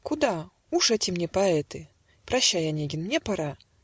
"Куда? Уж эти мне поэты!" - Прощай, Онегин, мне пора.